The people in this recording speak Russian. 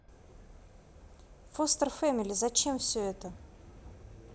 foster family зачем все это